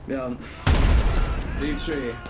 Iawn rhif tri.